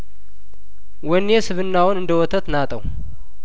ወኔ ስብናውን እንደወተትና ጠው